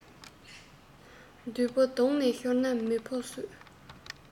བདུད པོ དོང ནས ཤོར ན མི ཕོ གསོད